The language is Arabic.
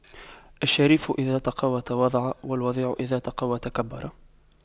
الشريف إذا تَقَوَّى تواضع والوضيع إذا تَقَوَّى تكبر